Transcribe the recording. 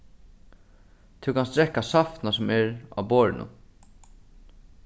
tú kanst drekka saftina sum er á borðinum